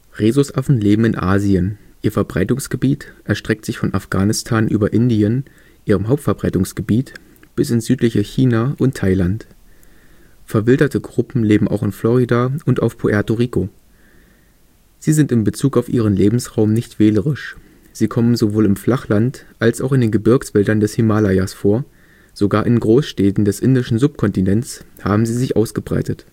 Rhesusaffen leben in Asien, ihr Verbreitungsgebiet erstreckt sich von Afghanistan über Indien – ihrem Hauptverbreitungsgebiet – bis ins südliche China und Thailand. Verwilderte Gruppen leben auch in Florida und auf Puerto Rico. Sie sind in Bezug auf ihren Lebensraum nicht wählerisch: Sie kommen sowohl im Flachland als auch in den Gebirgswäldern des Himalayas vor, sogar in Großstädten des indischen Subkontinents haben sie sich ausgebreitet